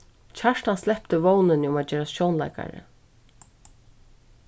kjartan slepti vónini um at gerast sjónleikari